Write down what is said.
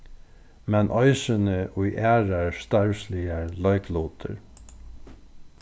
men eisini í aðrar starvsligar leiklutir